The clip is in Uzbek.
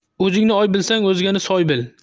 o'zingni oy bilsang o'zgani soy bil